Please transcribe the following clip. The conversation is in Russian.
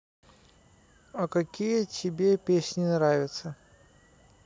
а какие тебе песни нравятся